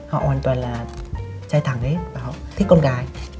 họ hoàn toàn là trai thẳng hết và họ thích con gái